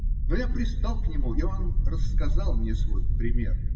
Но я пристал к нему, и он рассказал мне свой "пример".